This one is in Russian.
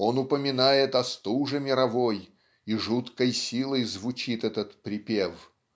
Он упоминает о "стуже мировой", и жуткой силой звучит этот припев